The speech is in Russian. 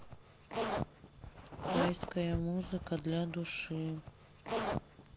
тайская музыка для души